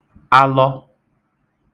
alọ